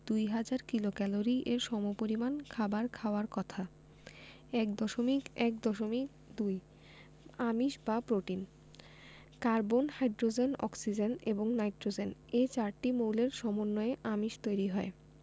২০০০ kilocalorie এর সমপরিমান খাবার খাওয়ার কথা ১.১.২ আমিষ বা প্রোটিন কার্বন হাইড্রোজেন অক্সিজেন এবং নাইট্রোজেন এ চারটি মৌলের সমন্বয়ে আমিষ তৈরি হয়